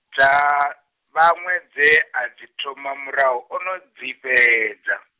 dza, vhaṅwe dze, a dzi thoma murahu ono dzi fhedza.